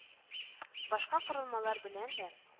Башка корылмалар белән дә